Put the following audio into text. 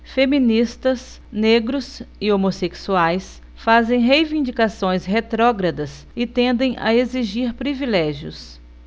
feministas negros e homossexuais fazem reivindicações retrógradas e tendem a exigir privilégios